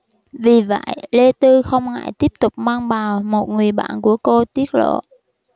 vì vậy lê tư không ngại tiếp tục mang bầu một người bạn của cô tiết lộ